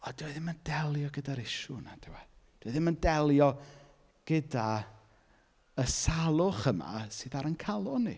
Ond dyw e ddim yn delio gyda'r issue nadyw e. Dyw e ddim yn delio gyda y salwch yma sydd ar ein calon ni.